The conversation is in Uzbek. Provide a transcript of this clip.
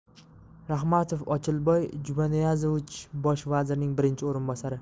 ramatov ochilboy jumaniyazovich bosh vazirning birinchi o'rinbosari